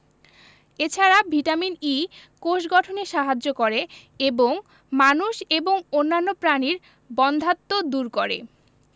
এ ছাড়া vitamin E কোষ গঠনে সাহায্য করে এবং মানুষ এবং অন্যান্য প্রাণীর বন্ধ্যাত্ব দূর করে